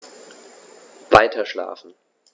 Weiterschlafen.